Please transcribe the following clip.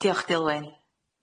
Diolch Dylwyn.